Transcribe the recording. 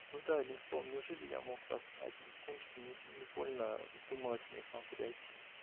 Ну, да, одним словом, неужели я мог вас обидеть тем, что невольно вздумалось мне к вам подойти?.